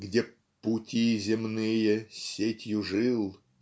где "пути земные сетью жил